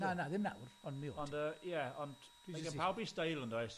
Na, na, ddim nawr, ond mi o't ti. Ond yy ie, ond mae gan pawb 'i stêl, yndoes?